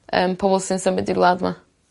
yym pobol sy'n symud i'r wlad 'ma.